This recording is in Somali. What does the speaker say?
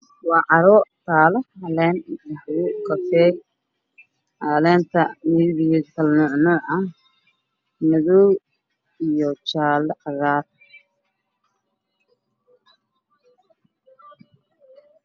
Waa supermarket waxaa lagu iibinayaa caagado midabkoodu yahay guduud jaallo